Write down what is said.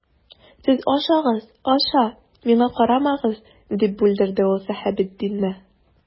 Сез ашагыз, аша, миңа карамагыз,— дип бүлдерде ул Сәхәбетдинне.